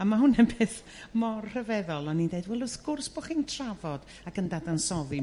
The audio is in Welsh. a ma' hwn yn peth mor rhyfeddol o'n i'n d'eud wel wrth gwrs bo' chi'n trafod ac yn dadansoddi